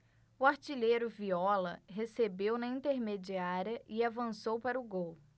o artilheiro viola recebeu na intermediária e avançou para o gol